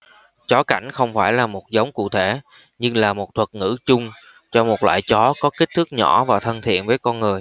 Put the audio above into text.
chó cảnh không phải là một giống cụ thể nhưng là một thuật ngữ chung cho một loại chó có kích thước nhỏ và thân thiện với con người